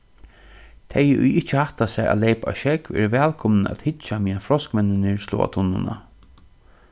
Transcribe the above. tey ið ikki hætta sær at leypa á sjógv eru vælkomin at hyggja meðan froskmenninir sláa tunnuna